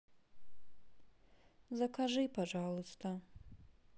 закажи пожалуйста